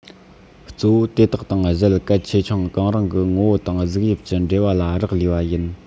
གཙོ བོ དེ དག དང གཞན གལ ཆེ ཆུང གང རུང གི ངོ བོ དང གཟུགས དབྱིབས ཀྱི འབྲེལ བ ལ རག ལས པ ཡིན